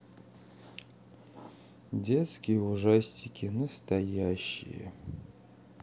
детские ужастики настоящие